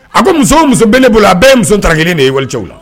A ko muso o muso bɛ ne bolo a bɛɛ ye muso darakilen de ye walicɛww la.